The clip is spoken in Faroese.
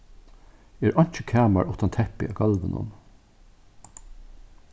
er einki kamar uttan teppi á gólvinum